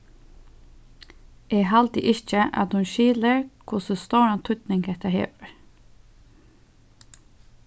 eg haldi ikki at hon skilir hvussu stóran týdning hetta hevur